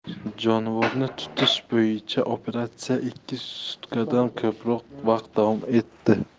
jonivorni tutish bo'yicha operatsiya ikki sutkadan ko'proq vaqt davom etdi